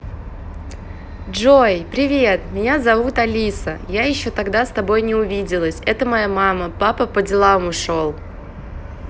джой привет меня зовут алиса я еще тогда с тобой не увиделась это моя мама папа по делам ушел